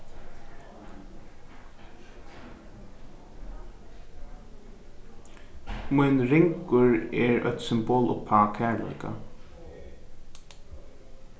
mín ringur er eitt symbol uppá kærleika